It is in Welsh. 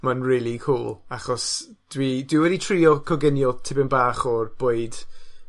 ma'n rili cŵl, achos dwi dwi wedi trio coginio tipyn bach o'r bwyd